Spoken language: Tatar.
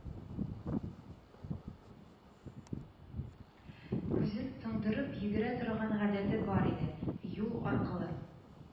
Күзен тондырып йөгерә торган гадәте бар иде, юл аркылы